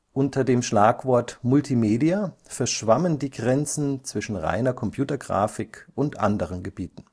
Unter dem Schlagwort Multimedia verschwammen die Grenzen zwischen reiner Computergrafik und anderen Gebieten